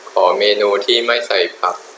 ขอเมนูที่ไม่ใส่ผัก